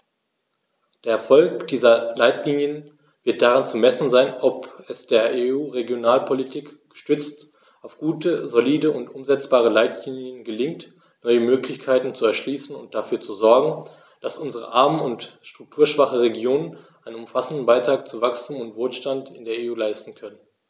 Der Erfolg dieser Leitlinien wird daran zu messen sein, ob es der EU-Regionalpolitik, gestützt auf gute, solide und umsetzbare Leitlinien, gelingt, neue Möglichkeiten zu erschließen und dafür zu sorgen, dass unsere armen und strukturschwachen Regionen einen umfassenden Beitrag zu Wachstum und Wohlstand in der EU leisten können.